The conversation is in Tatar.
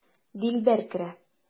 Дилбәр керә.